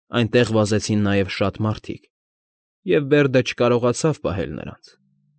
Այնտեղ վազեցին նաև շատ մարդիկ, և Բերդը չկարողացավ պահել նրանց։